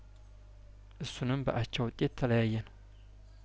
እሱንም በአቻ ውጤት ተለያየን